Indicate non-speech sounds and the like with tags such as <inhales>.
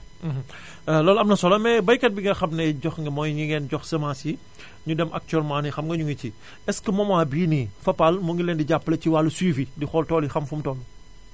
<hesitation> <hesitation> <hesitation> loolu am na solo mais baykat bi nga xam ne jox nga mooy ñi ngeen jox semence yi <inhales> ñu dem actuellement nii xam nga ñu ngi ci est ce que moment bii nii Fapal mu ngi leen di jàppale ci wàllu suivi di xool tool yi ba xam fu mu toll